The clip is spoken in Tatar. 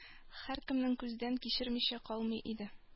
Һәркемне күздән кичермичә калмый иде.